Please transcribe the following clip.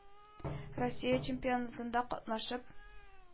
Россия чемпионатында катнашып,